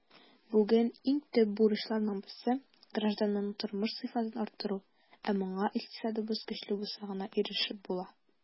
Бүген иң төп бурычларның берсе - гражданнарның тормыш сыйфатын арттыру, ә моңа икътисадыбыз көчле булса гына ирешеп була.